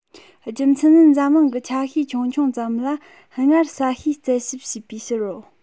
རྒྱུ མཚན ནི འཛམ གླིང གི ཆ ཤས ཆུང ཆུང ཙམ ལ སྔར ས གཤིས རྩད ཞིབ བྱས པའི ཕྱིར རོ